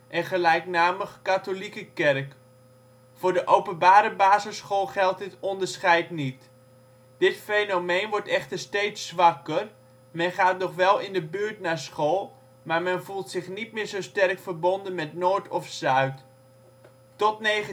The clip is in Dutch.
en gelijknamige katholieke kerk. Voor de openbare basisschool geldt dit onderscheid niet. Dit fenomeen wordt echter steeds zwakker, men gaat nog wel in de buurt naar school, maar men voelt zich niet meer zo sterk verbonden met " Noord " of " Zuid ". Tot 1934